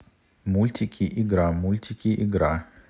мультики игра мультики игра